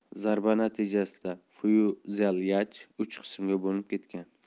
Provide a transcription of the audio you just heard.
zarba natijasida fyuzelyaj uch qismga bo'linib ketgan